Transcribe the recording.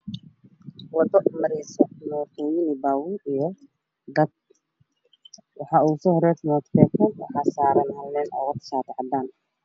Wado marayso mootooyin , baabuur iyo dad waxaa ugu horayso mooto feekoo waxaa saaran haween oo wadato shaati cadaan